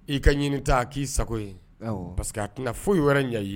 I ka ɲini t k'i sago ye parce que a tɛna foyi yɛrɛ ɲɛ ye